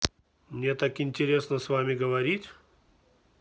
мне так интересно с вами говорить